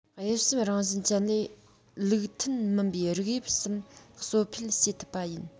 དབྱིབས གསུམ རང བཞིན ཅན ལས ལུགས མཐུན མིན པའི རིགས དབྱིབས གསུམ གསོ འཕེལ བྱེད ཐུབ པ ཡིན